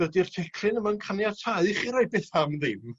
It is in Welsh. dydi'r teclyn yma'n caniatau i chi roid betha am ddim.